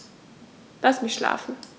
Lass mich schlafen